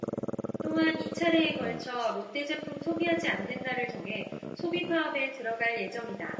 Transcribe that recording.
또한 이 차례에 걸쳐 롯데 제품 소비하지 않는 날을 정해 소비 파업에 들어갈 예정이다